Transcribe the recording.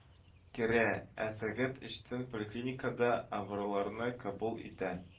Керә, ә сәгать өчтән поликлиникада авыруларны кабул итә